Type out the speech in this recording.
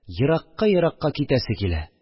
Еракка-еракка китәсе килә